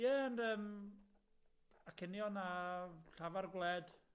Ie, ond yym acenion a llafar gwled.